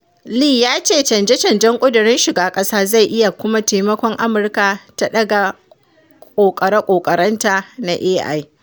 Lee ya ce canje-canjen ƙudurin shiga ƙasa zai iya kuma taimakon Amurka ta daga ƙoƙare-ƙoƙarenta na AI.